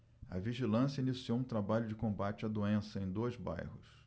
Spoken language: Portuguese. a vigilância iniciou um trabalho de combate à doença em dois bairros